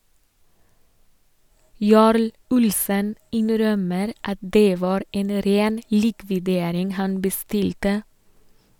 Jarl Olsen innrømmer at det var en ren likvidering han bestilte.